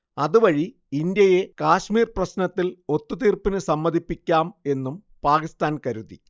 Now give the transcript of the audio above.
അതുവഴി ഇന്ത്യയെ കാശ്മീർ പ്രശ്നത്തിൽ ഒത്തുതീർപ്പിനു സമ്മതിപ്പിക്കാം എന്നും പാകിസ്താൻ കരുതി